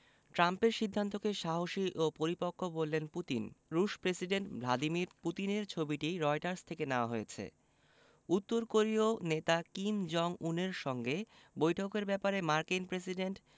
ট্রাম্পের সিদ্ধান্তকে সাহসী ও পরিপক্ব বললেন পুতিন রুশ প্রেসিডেন্ট ভ্লাদিমির পুতিনের ছবিটি রয়টার্স থেকে নেয়া হয়েছে উত্তর কোরীয় নেতা কিম জং উনের সঙ্গে বৈঠকের ব্যাপারে মার্কিন প্রেসিডেন্ট